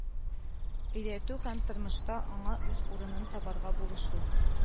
Өйрәтү һәм тормышта аңа үз урынын табарга булышу